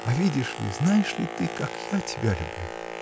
А видишь ли, знаешь ли ты, как я тебя люблю?